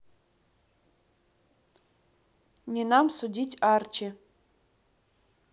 не нам судить archi